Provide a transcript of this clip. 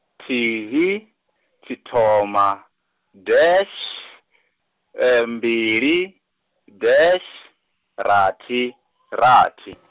thihi, tshithoma, dash, mbili, dash, rathi, rathi.